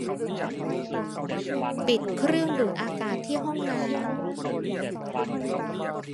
ปิดเครื่องดูดอากาศที่ห้องน้ำ